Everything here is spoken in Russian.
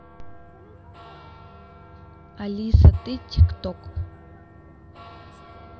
алиса ты тик ток